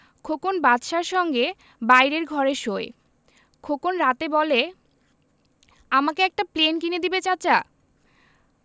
খোকন বাদশার সঙ্গে বাইরের ঘরে শোয় খোকন রাতে বলে আমাকে একটা প্লেন কিনে দিবে চাচা